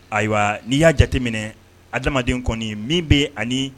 Ayiwa n'i y'a jateminɛ adamaden kɔni min bɛ ani